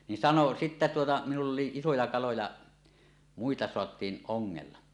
niin sanoi sitten tuota minulla oli isoja kaloja muita saatiin ongella